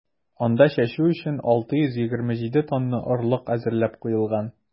Анда чәчү өчен 627 тонна орлык әзерләп куелган.